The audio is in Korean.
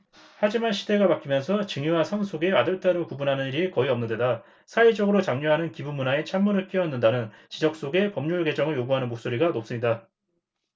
하지만 시대가 바뀌면서 증여와 상속에 아들 딸을 구분하는 일이 거의 없는데다 사회적으로 장려하는 기부문화에 찬물을 끼얹는다는 지적 속에 법률 개정을 요구하는 목소리가 높습니다